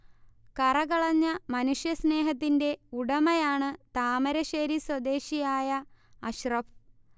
കറകളഞ്ഞ മനുഷ്യ സ്നേഹത്തിന്റെ ഉടമയാണ് താമരശേരി സ്വദേശിയായ അഷ്റഫ്